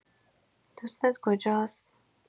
دوستت کجاست؟